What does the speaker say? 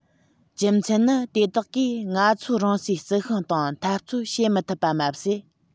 རྒྱུ མཚན ནི དེ དག གིས ང ཚོའི རང སའི རྩི ཤིང དང འཐབ རྩོད བྱེད མི ཐུབ པ མ ཟད